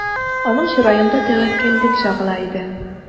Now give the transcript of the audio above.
Аның чыраенда тәвәккәллек чагыла иде.